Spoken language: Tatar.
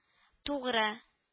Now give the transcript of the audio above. Тугры